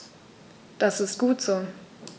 Das ist gut so.